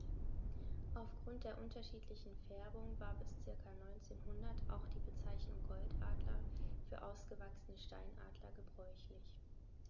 Auf Grund der unterschiedlichen Färbung war bis ca. 1900 auch die Bezeichnung Goldadler für ausgewachsene Steinadler gebräuchlich.